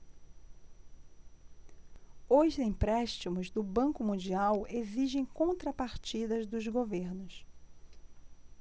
os empréstimos do banco mundial exigem contrapartidas dos governos beneficiados